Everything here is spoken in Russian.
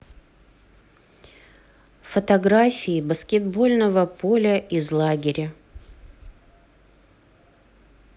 фотографии баскетбольного поля из лагеря